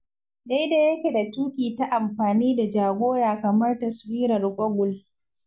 Daidai yake da tuƙi ta amfani da jagora kamar Taswirar Google.